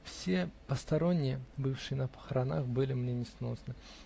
Все посторонние, бывшие на похоронах, были мне несносны.